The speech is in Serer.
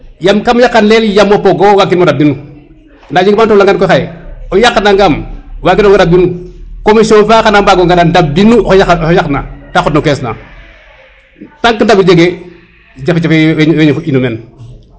yaam kam yaqa nel yaam o pogo waag kimo rab dinu nda a jega ma o tol wa ngan koy xaye o yaqa na ngam wagirongo rab dinu commision fa xana mbago ngara ndaɓ dinu oxe yaq na te xot no caisse na tank jafe jefe we ñofo inu men